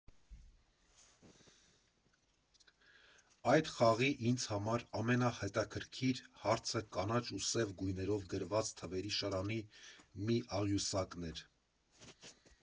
Այդ խաղի ինձ համար ամենահետաքրքիր հարցը կանաչ ու սև գույներով գրված թվերի շարանի մի աղյուսակն էր։